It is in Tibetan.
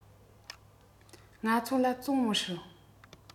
ང ཚོ ལ བཙོང མི སྲིད